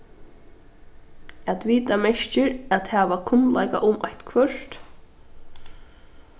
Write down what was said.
at vita merkir at hava kunnleika um eitthvørt